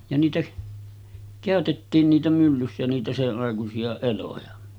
ja niitä käytettiin niitä myllyssä niitä senaikaisia eloja